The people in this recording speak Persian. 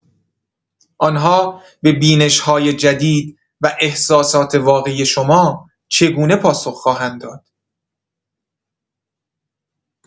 آن‌ها به بینش‌های جدید و احساسات واقعی شما چگونه پاسخ خواهند داد؟